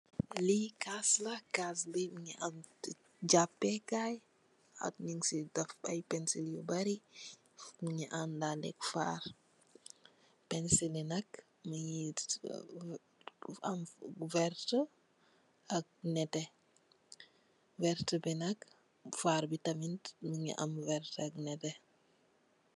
Lii caas la, caas bi mu ngi am jaapee kaay, ak ñung si def ay pensil yu bari, mu ngi andale ak faar. Pensil yi nak ñu ngi am bu vértë, ak nétté. Vértë bi nak, faar bi tamit, am vértë ak nétté.